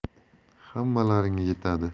hammalaringga yetadi